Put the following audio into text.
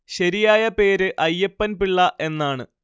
ശരിയായ പേര് അയ്യപ്പൻ പിള്ള എന്നാണ്